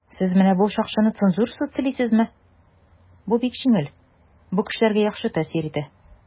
"сез менә бу шакшыны цензурасыз телисезме?" - бу бик җиңел, бу кешеләргә яхшы тәэсир итә.